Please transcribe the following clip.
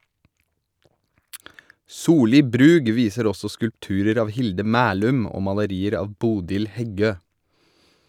Soli Brug viser også skulpturer av Hilde Mæhlum og malerier av Bodil Heggø.